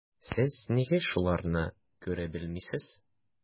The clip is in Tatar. Сез нигә шуларны күрә белмисез?